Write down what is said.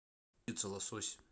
где водится лосось